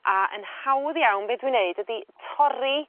a yn hawdd iawn be' dwi'n neud ydi torri